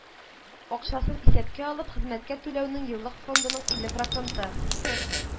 Акчасын исәпкә алып, хезмәткә түләүнең еллык фондының илле проценты